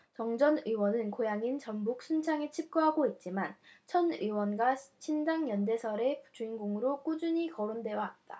정 전 의원은 고향인 전북 순창에 칩거하고 있지만 천 의원과의 신당 연대설의 주인공으로 꾸준히 거론돼왔다